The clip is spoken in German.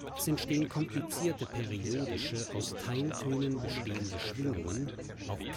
entstehen komplizierte periodische aus Teiltönen bestehende Schwingungen, auch